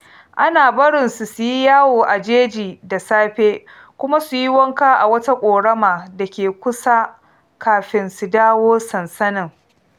Ana barinsu su yi yawo a jeji da safe kuma su yi wanka a wata ƙorama da ke kusa kafin su dawo sansanin.